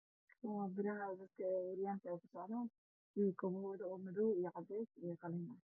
Waa biraha dad ka jiimka Aya qaadan midab koodu waa madow